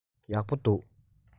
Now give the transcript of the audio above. ཡག པོ འདུག